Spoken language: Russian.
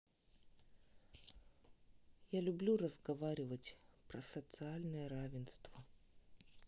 я люблю разговаривать про социальное равенство